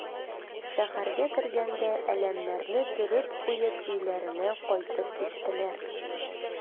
Шәһәргә кергәндә әләмнәрне төреп куеп өйләренә кайтып киттеләр.